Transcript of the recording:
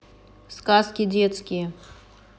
сказки детские